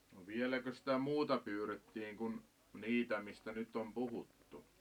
no vieläkös sitä muuta pyydettiin kuin niitä mistä nyt on puhuttu